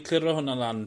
...cliro hwnna lan